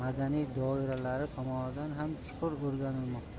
madaniy doiralari tomonidan ham chuqur o'rganilmoqda